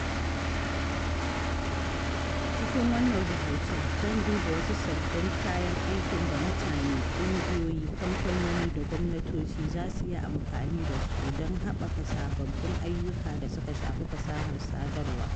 A cikin wannan rubutun, zan duba wasu sabbin kayan aikin da mutane, ƙungiyoyi, kamfanoni da gwamnatoci za su iya amfani da su don haɓaka sababbin ayyuka da suka shafi fasahar sadarwa.